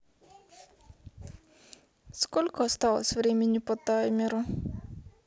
сколько осталось времени по таймеру